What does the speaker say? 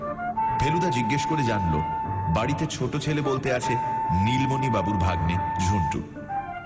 ফেলুদা জিজ্ঞেস করে জানলো বাড়িতে ছোট ছেলে বলতে আছে নিলমনি বাবুর ভাগ্নে ঝুন্টু